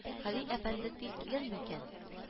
Һади әфәнде тиз килерме икән